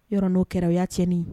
Yɔrɔɔrɔn n'o kɛrayacin